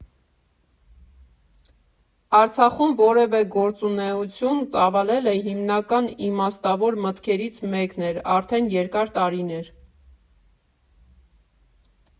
Արցախում որևէ գործունեություն ծավալելը հիմնական իմաստավոր մտքերից մեկն էր արդեն երկար տարիներ։